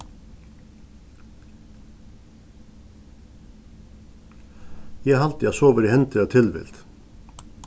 eg haldi at sovorðið hendir av tilvild